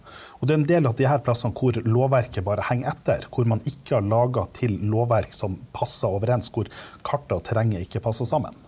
og det er en del av de her plassene hvor lovverket bare henger etter, hvor man ikke har laga til lovverk som passer overens, hvor karta og terrenget ikke passer sammen.